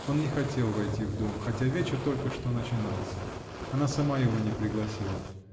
Он не хотел войти в дом, хотя вечер только что начинался. Она сама его не пригласила.